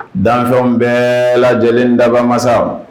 Danfɛnw bɛ lajɛlen dabamasa